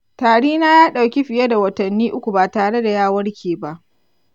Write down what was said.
tari na ya ɗauki fiye da watanni uku ba tare da ya warke ba.